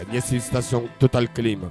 A ɲɛsin sisanc totali kelen in ma